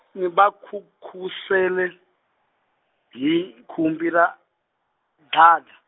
ni va nkhunkhusela, hi khumbi ra, dladla.